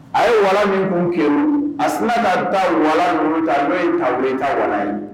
A ye walan min kun kɛ a sun da bɛ taa walawalan ninnu ta n'o taabolo weele ta waralan ye